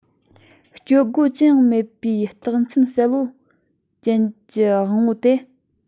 སྤྱོད སྒོ ཅི ཡང མེད པའི རྟགས མཚན གསལ པོ ཅན གྱི དབང པོ སྟེ